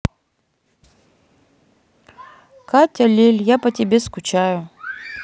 катя лель я по тебе скучаю